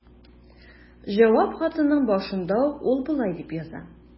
Җавап хатының башында ук ул болай дип яза.